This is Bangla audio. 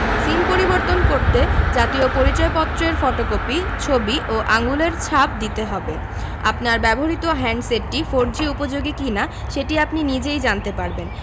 সিম পরিবর্তন করতে জাতীয় পরিচয়পত্রের ফটোকপি ছবি ও আঙুলের ছাপ দিতে হবে আপনার ব্যবহৃত হ্যান্ডসেটটি ফোরজি উপযোগী কিনা সেটি আপনি নিজেই জানতে পারবেন